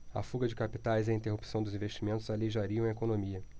a fuga de capitais e a interrupção dos investimentos aleijariam a economia